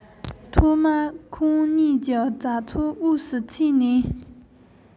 ཐོག མར ཁོང གཉིས ཀྱི བྱ ཚོགས དབུས སུ ཕྱིན ནས